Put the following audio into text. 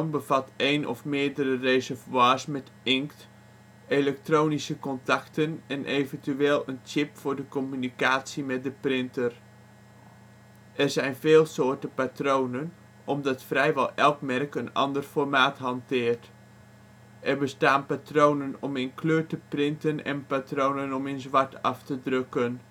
bevat één of meerdere reservoirs met inkt, elektronische contacten en eventueel een chip voor de communicatie met de printer. Er zijn veel soorten patronen omdat vrijwel elk merk een ander formaat hanteert. Er bestaan patronen om in kleur te printen en patronen om in zwart af te drukken